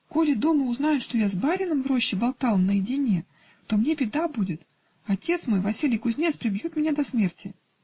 Коли дома узнают, что я с барином в роще болтала наедине, то мне беда будет: отец мой, Василий кузнец, прибьет меня до смерти".